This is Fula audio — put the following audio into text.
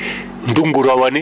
ndunngu rowani